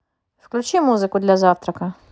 включи музыку для завтрака